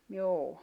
joo